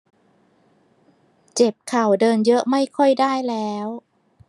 เจ็บเข่าเดินเยอะไม่ค่อยได้แล้ว